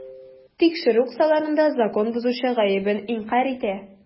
Тикшерү кысаларында закон бозучы гаебен инкарь итә.